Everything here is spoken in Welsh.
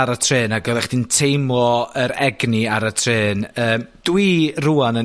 ar y trên, ag oddach chdi'n teimlo yr egni ar y trên. Yym dwi rŵan yn